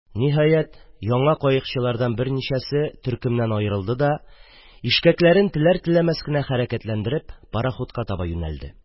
Ниһәят, яңа каекчылардан берничәсе төркемнән аерылды да, ишкәкләрен теләр-теләмәс кенә хәрәкәтләндереп, пароходка таба юнәлде